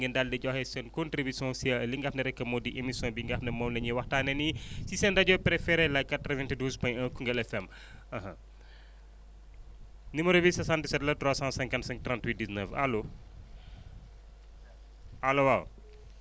ngeen daal di joxe seen contribution si li nga xam ne rek moo di émission bi nga xam ne moom la ñuy waxtaanee nii ci seen rajo préférée la 92 point 1 Koungheul FM numéro bi 77 la 355 38 19 allo allo waaw